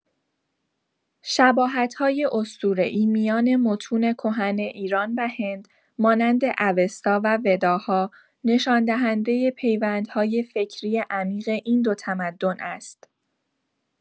شباهت‌های اسطوره‌ای میان متون کهن ایران و هند، مانند اوستا و وداها، نشان‌دهنده پیوندهای فکری عمیق این دو تمدن است.